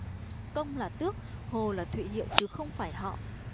công là tước hồ là thụy hiệu chứ không phải họ